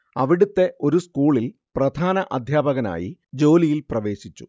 അവിടുത്തെ ഒരു സ്കൂളിൽ പ്രധാന അദ്ധ്യാപകനായി ജോലിയിൽ പ്രവേശിച്ചു